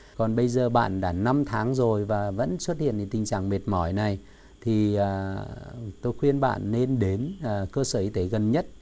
còn bây giờ bạn đã năm tháng rồi và vẫn xuất hiện tình trạng mệt mỏi này thì à tôi khuyên bạn nên đến à cơ sở y tế gần nhất